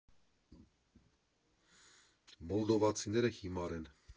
Մոլդովացիները հիմար են։